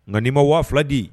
Nka n'i ma wa fila di?